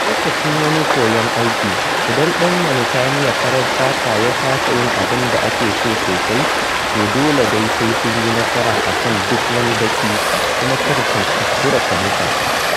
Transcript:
A lokacin wani koyon aiki, idan ɗan Mauritaniya farar fata ya kasa yin abin da ake so sosai, to dole dai sai sun yi nasara a kan duk wani baƙi. Kuma kar ma ka kuskura ka musa…